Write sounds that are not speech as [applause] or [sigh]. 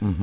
[hesitation] [hesitation]